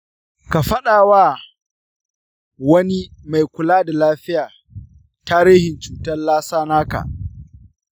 ka fadawa wani mai kula da lafiya tarihin cutar lassa naka.